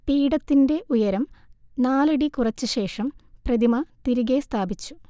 പീഠത്തിന്റെ ഉയരം നാലടി കുറച്ചശേഷം പ്രതിമ തിരികെ സ്ഥാപിച്ചു